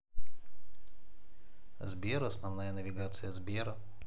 сбер основная навигация сбера